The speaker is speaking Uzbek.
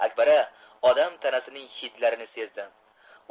akbara odam tanasining hidlarini sezdi